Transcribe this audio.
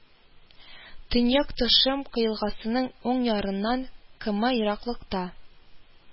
Төньяк Тошемка елгасының уң ярыннан км ераклыкта